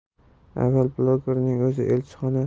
avval blogerning o'zi elchixona tomonidan unga